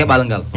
keɓal ngal